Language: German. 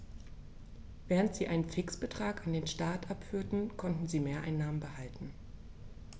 Während sie einen Fixbetrag an den Staat abführten, konnten sie Mehreinnahmen behalten.